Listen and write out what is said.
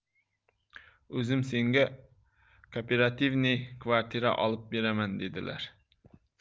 o'zim senga kooperativniy kvartira olib beraman dedilar